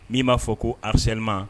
Min'i b'a fɔ ko rizalima